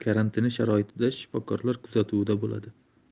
karantini sharoitida shifokorlar kuzatuvida bo'ladi